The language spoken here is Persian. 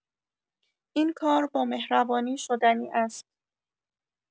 این کار با مهربانی شدنی است.